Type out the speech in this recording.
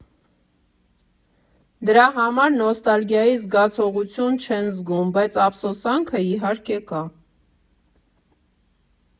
Դրա համար նոստալգիայի զգացողություն չեն զգում, բայց ափսոսանքը, իհարկե, կա.